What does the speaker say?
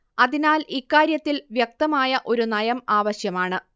അതിനാൽ ഇക്കാര്യത്തിൽ വ്യക്തമായ ഒരു നയം ആവശ്യമാണ്